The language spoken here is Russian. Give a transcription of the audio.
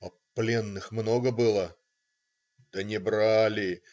- "А пленных много было?" - "Да не брали.